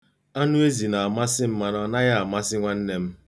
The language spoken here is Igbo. Anụezi na-amasị m mana ọ naghị amasị nwanne m.